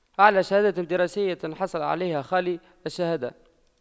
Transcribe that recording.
أعلى شهادة دراسية حصل عليها خالي الشهادة